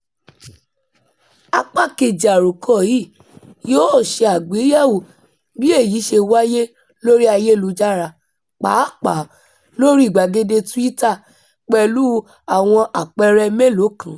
Apá kejì àròkọ yìí yóò ṣe àgbéyẹ̀wò bí èyí ṣe wáyé lórí ayélujára, pàápàá lóríi gbàgede Twitter, pẹ̀lú àwọn àpẹẹrẹ mélòó kan.